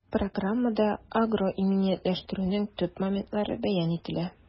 Программада агроиминиятләштерүнең төп моментлары бәян ителә.